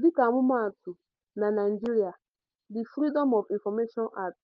Dịka ọmụmaatụ, na Naịjirịa, The Freedom of Information Act